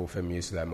K'o fɛn y'i ma